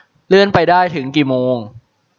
เลื่อนไปได้ถึงกี่โมง